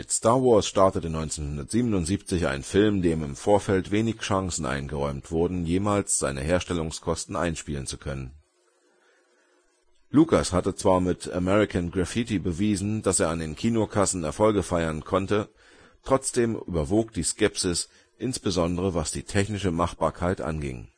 Star Wars startete 1977 ein Film, dem im Vorfeld wenig Chancen eingeräumt wurden, jemals seine Herstellungskosten einspielen zu können. Lucas hatte zwar mit American Graffiti bewiesen, dass er an den Kinokassen Erfolge feiern konnte. Trotzdem überwog die Skepsis, insbesondere was die technische Machbarkeit anging